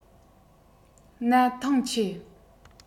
ན ཐང ཆད